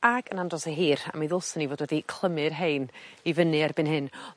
Ag yn andros o hir a mi ddylswn i fod wedi clymu'r rhein i fyny erbyn hyn.